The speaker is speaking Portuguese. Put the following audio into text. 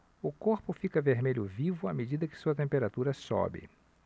o corpo fica vermelho vivo à medida que sua temperatura sobe